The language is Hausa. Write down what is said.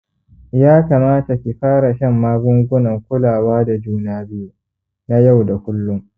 ya kamata ki fara shan magungunan kulawa da juna biyu na yau da kullum